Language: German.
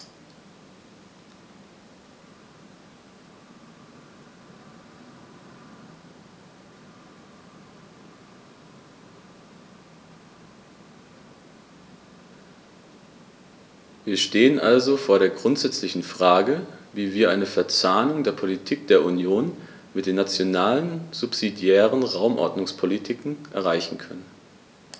Wir stehen also vor der grundsätzlichen Frage, wie wir eine Verzahnung der Politik der Union mit den nationalen subsidiären Raumordnungspolitiken erreichen können.